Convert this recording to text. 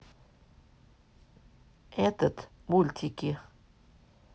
этот мультики